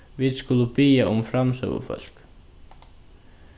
vit skulu biðja um framsøgufólk